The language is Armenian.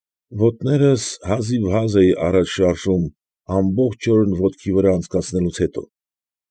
Ոտներս հազիվհազ էի առաջ շարժում ամբողջ օրն ոտքի վրա անցկացնելուց հետո։